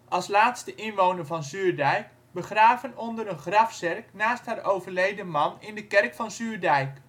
als laatste inwoner van Zuurdijk) een grafzerk naast haar overleden man in de kerk van Zuurdijk